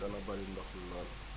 dan bëri ndox loo